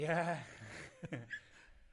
Ie.